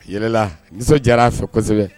Yɛlɛ la, nisɔndiyara fɛ kosɛbɛ